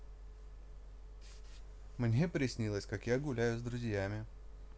мне приснилось как я гуляю с друзьями